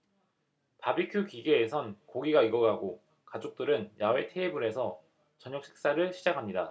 바비큐 기계에선 고기가 익어가고 가족들은 야외 테이블에서 저녁식사를 시작합니다